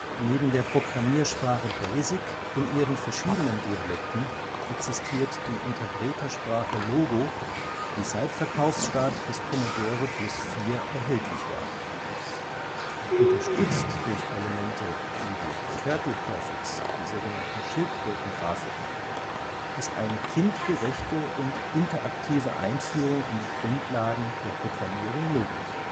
Neben der Programmiersprache BASIC in ihren verschiedenen Dialekten existiert die Interpretersprache Logo, die seit Verkaufsstart des Commodore Plus/4 erhältlich war. Unterstützt durch Elemente wie die turtle graphics (Schildkrötengrafik) ist eine kindgerechte und interaktive Einführung in die Grundlagen der Programmierung möglich